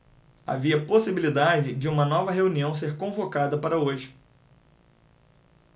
havia possibilidade de uma nova reunião ser convocada para hoje